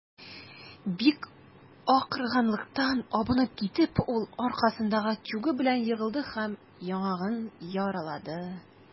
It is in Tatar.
Бик арыганлыктан абынып китеп, ул аркасындагы тюгы белән егылды һәм яңагын яралады.